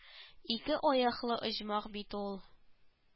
Ике аяклы оҗмах бит ул